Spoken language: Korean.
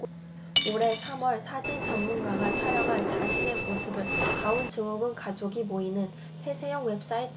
올해 삼 월 사진 전문가가 촬영한 자신의 모습을 다운증후군 가족이 모이는 폐쇄형 웹사이트에 올리고는 사정이 크게 달라졌다